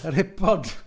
Yr hip pod.